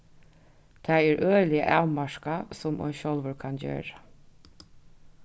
tað er øgiliga avmarkað sum ein sjálvur kann gera